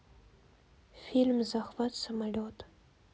фильм захват самолета